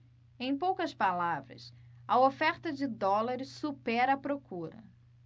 em poucas palavras a oferta de dólares supera a procura